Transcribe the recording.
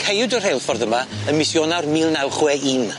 Ceiwyd y rheilffordd yma ym mis Ionawr mil naw chwe un.